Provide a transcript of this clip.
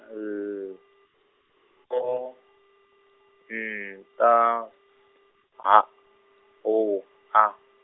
L O N T H O A.